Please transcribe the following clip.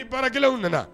Ni baarajɛw nana